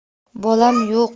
bolam yo'q